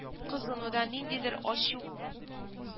Кызынуда ниндидер ачу